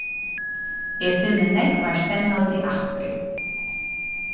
eg finni nógvar spennandi appir